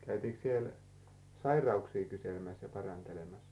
käytiinkö siellä sairauksia kyselemässä ja parantelemassa